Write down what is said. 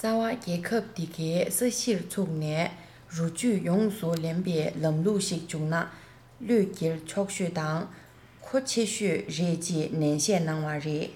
བ རྒྱལ ཁབ དེ གའི ས གཞིར ཚུགས ནས རོ བཅུད ཡོངས སུ ལེན པའི ལམ ལུགས ཤིག བྱུང ན བློས འགེལ ཆོག ཤོས དང མཁོ ཆེ ཤོས རེད ཅེས ནན བཤད གནང བ རེད